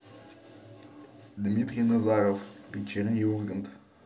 дмитрий назаров вечерний ургант